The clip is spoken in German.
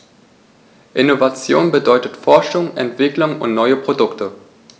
Innovation bedeutet Forschung, Entwicklung und neue Produkte.